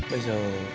bây giờ